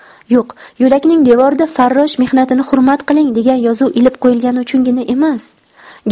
yo'q yo'lakning devorida farrosh mehnatini hurmat qiling degan yozuv ilib qo'yilgani uchungina emas